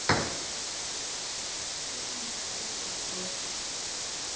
фильм мстители против